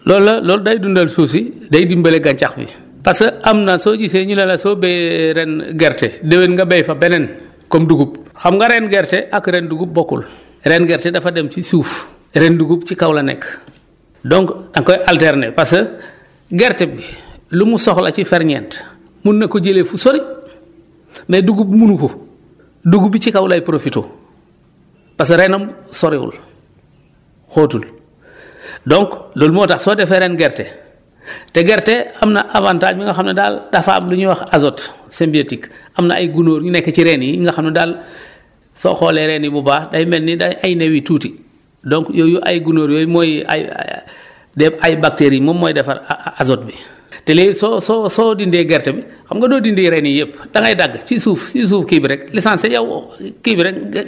loolu la loolu day dundal suuf si day dimbali gàncax bi parce que am na soo gisee ñu ne la soo béyee ren gerte déwén nga béy fa beneen comme dugub xam nga reen gerte ak reen dugub bokkul reen gerte dafa dem ci suuf reen dugub ci kaw la nekk donc da nga koy alterner parce que gerte bi lu mu soxla ci ferñeent mun na ko jëlee fu sori mais dugub munu ko dugub bi ci kaw lay profité parce que reenam sorewul xóotul donc loolu moo tax soo defee ren gerte te gerte am na avantage bi nga xam ne daal dafa am lu ñuy wax azote symbiotique am na ay gunóor yu nekk ci reen yi nga xam ne daal soo xoolee reen yi bu baax day mel ni day ay new yu tuuti donc yooyu ay gunóor yooyu mooy ay day ay bactéries moom mooy defar azote bi te léegi soo soo soo dindee gerte bi xam nga doo dindi reen yi yëpp da ngay dagg ci suuf ci suuf kii bi rek l' essentiel yow kii bi rek ge